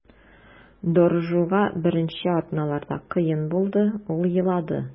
Доржуга беренче атналарда кыен булды, ул елады.